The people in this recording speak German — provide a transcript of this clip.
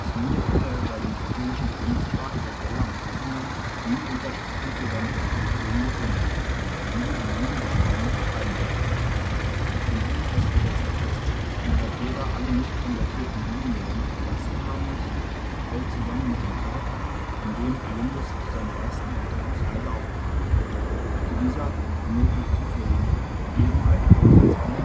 Jude hätte er bei dem katholischen Königspaar Isabella und Ferdinand nie Unterstützung für seine Expeditionen gefunden, da diese die Juden aus Spanien vertreiben wollten. Die von ihnen festgesetzte Frist, innerhalb derer alle nicht konvertierten Juden ihr Land verlassen haben mussten, fällt zusammen mit dem Tag, an dem Kolumbus zu seiner ersten Entdeckungsreise aufbrach. Zu dieser - womöglich zufälligen - Begebenheit kommt als ein